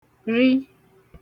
ri